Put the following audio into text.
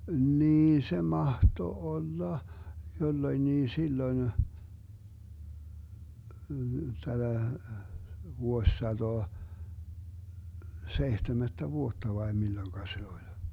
niin se mahtoi olla jolloinkin silloin tätä vuosisataa seitsemättä vuotta vai milloin se oli